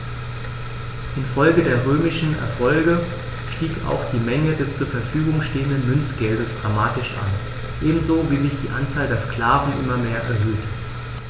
Infolge der römischen Erfolge stieg auch die Menge des zur Verfügung stehenden Münzgeldes dramatisch an, ebenso wie sich die Anzahl der Sklaven immer mehr erhöhte.